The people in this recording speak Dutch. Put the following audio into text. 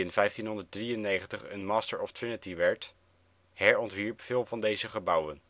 die in 1593 een Master of Trinity werd, herontwierp veel van deze gebouwen